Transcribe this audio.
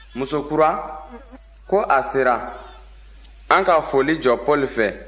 musokura ko a sera an ka foli jɔ paul fɛ